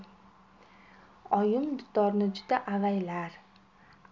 oyim dutorni juda avaylar